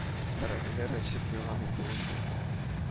Бәрәңгеләр әрчеп куйган иде инде